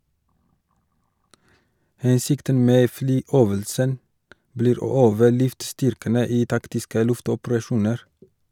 Hensikten med flyøvelsen blir å øve luftstyrkene i taktiske luftoperasjoner.